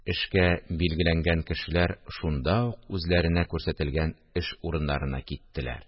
Эшкә билгеләнгән кешеләр шунда ук үзләренә күрсәтелгән эш урыннарына киттеләр